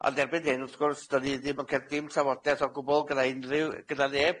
Ond erbyn hyn wrth gwrs, 'dan i ddim yn ca'l trafodeth o gwbwl gyda unrhyw- gyda neb.